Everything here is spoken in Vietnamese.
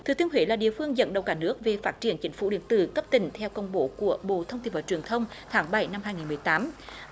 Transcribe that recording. thừa thiên huế là địa phương dẫn đầu cả nước về phát triển chính phủ điện tử cấp tỉnh theo công bố của bộ thông tin và truyền thông tháng bảy năm hai nghìn mười tám